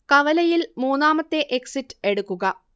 കവലയിൽ മൂന്നാമത്തെ എക്സിറ്റ് എടുക്കുക